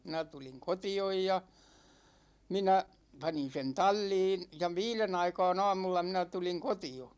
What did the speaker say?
minä tulin kotiin ja minä panin sen talliin ja viiden aikaan aamulla minä tulin kotiin